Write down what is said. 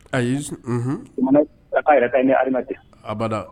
Ayi unhun a yɛrɛ ni alilima abada